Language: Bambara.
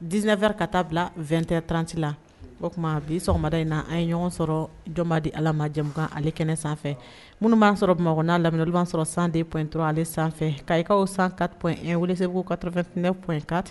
19 Heures ka taa bila 20 heures 30 la o tuma bi sɔgɔmada in na an ye ɲɔgɔn sɔrɔɔ jɔnba di Ala ma jamukan ale kɛnɛ sanfɛ minnu b'an sɔrɔ Bamako n'a lamini la olu b'an sɔrɔ 102.3 ale sanfɛ Kayes kaw 104.1 Welesebugu 89.4